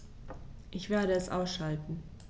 Ich werde es ausschalten